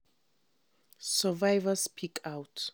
Survivors speak out